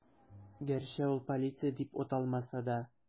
Гәрчә ул полиция дип аталмаса да.